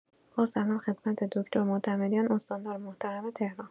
با سلام خدمت دکتر معتمدیان، استاندار محترم تهران.